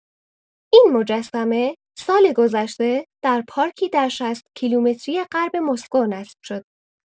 این مجسمه سال‌گذشته در پارکی در ۶۰ کیلومتری غرب مسکو نصب شد.